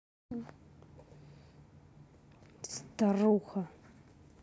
старуха